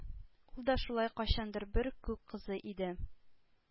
Ул да шулай кайчандыр бер күк кызы иде,